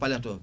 palette o